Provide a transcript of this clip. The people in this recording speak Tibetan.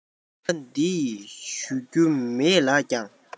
མཁས པ འདི ཡིན ཞུ རྒྱུ མེད ལགས ཀྱང